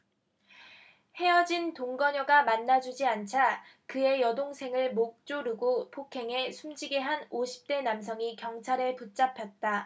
헤어진 동거녀가 만나주지 않자 그의 여동생을 목 조르고 폭행해 숨지게 한 오십 대 남성이 경찰에 붙잡혔다